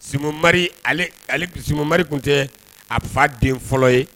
Sri mariri tun tɛ a fa den fɔlɔ ye